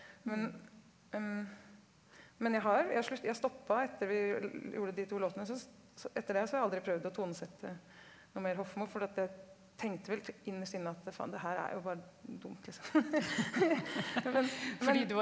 men men jeg har jeg jeg stoppa etter vi gjorde de to låtene så så etter det så har jeg aldri prøvd å tonesette noe mer Hofmo fordi at jeg tenkte vel innerst inne at faen det her er jo bare dumt liksom men men.